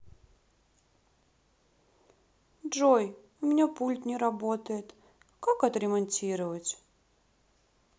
джой у меня пульт не работает как отремонтировать